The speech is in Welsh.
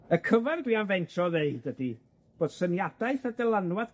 Y cyfan dwi am fentro ddeud ydi bod syniadaeth a dylanwad